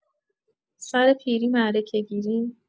سر پیری معرکه‌گیری